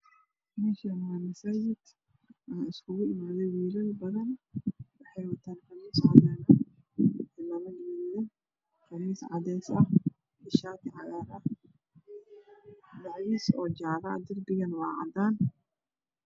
Meshan waa masaaJid waxa iskugu imade wilal badan waxay watan qamiis cagar ah cimamad gadud ah qamiis cades ah iyo shaati cagar ah macwis jaalo ah Darbigana waa cadan